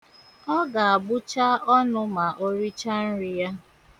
Ọ ga-agbụcha ọnụ ma oricha nri ya.